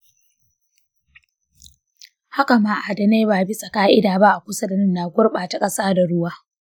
haƙar ma’adinai ba bisa ƙa’ida ba a kusa da nan na gurɓata ƙasa da ruwa.